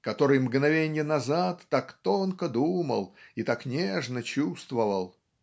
который мгновенье назад так тонко думал и так нежно чувствовал.